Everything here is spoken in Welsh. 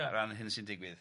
o ran hyn sy'n digwydd.